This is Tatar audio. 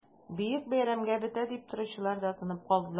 Бөек бәйрәмгә бетә дип торучылар да тынып калдылар...